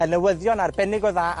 y newyddion arbennig o dda...